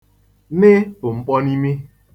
/n/ bụ mkpọnimi.